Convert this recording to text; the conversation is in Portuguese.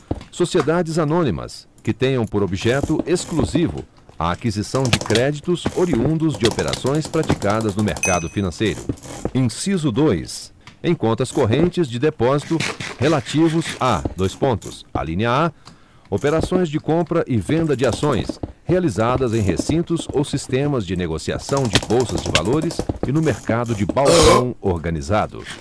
sociedades anônimas que tenham por objeto exclusivo a aquisição de créditos oriundos de operações praticadas no mercado financeiro inciso dois em contas correntes de depósito relativos a dois pontos alínea a operações de compra e venda de ações realizadas em recintos ou sistemas de negociação de bolsas de valores e no mercado de balcão organizado